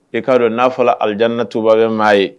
E k'a dɔn n'a fɔla alijanatu ye